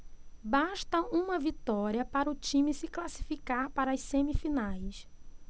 basta uma vitória para o time se classificar para as semifinais